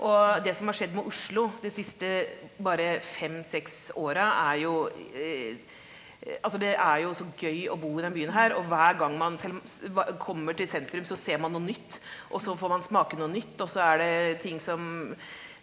og det som har skjedd med Oslo de siste bare fem seks åra er jo altså det er jo så gøy å bo i den byen her, og hver gang man selv om hva kommer til sentrum så ser man noe nytt og så får man smake noe nytt, og så er det ting som.